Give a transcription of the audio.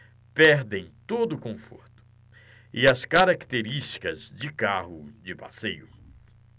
perdem todo o conforto e as características de carro de passeio